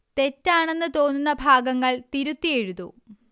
തെറ്റാണെന്ന് തോന്നുന്ന ഭാഗങ്ങൾ തിരുത്തി എഴുതൂ